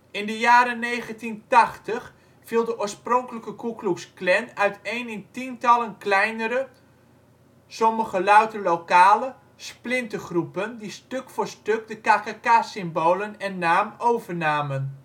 In de jaren 1980 viel de oorspronkelijke Ku Klux Klan uiteen in tientallen kleinere - sommige louter lokale - splintergroepen die stuk voor stuk de KKK-symbolen en naam overnamen